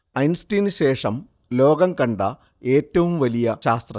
ഐൻസ്റ്റീന് ശേഷം ലോകം കണ്ട ഏറ്റവും വലിയ ശാസ്ത്രജ്ഞൻ